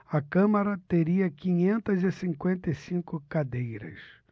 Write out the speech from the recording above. a câmara teria quinhentas e cinquenta e cinco cadeiras